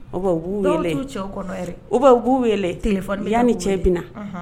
Ou bien , dɔw t'u cɛ kɔnɔ yɛrɛ, ou bien u b'u wele telefɔni la, yanni cɛ bɛ na, unhun.